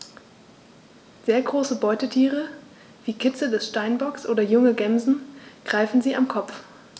Sehr große Beutetiere wie Kitze des Steinbocks oder junge Gämsen greifen sie am Kopf.